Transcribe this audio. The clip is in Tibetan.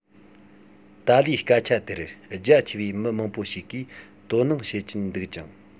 ཏཱ ལའི སྐད ཆ དེར རྒྱ ཆེ བའི མི མང པོ ཞིག གིས དོ སྣང བྱེད ཀྱིན འདུག ཅིང